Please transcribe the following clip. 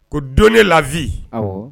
Ko don ne labi